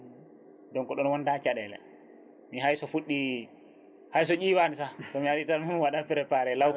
donc ɗon wonta caɗele mi hayso fuɗɗi hayso ƴiwani saah somi ari tan mi waɗat préparé laaw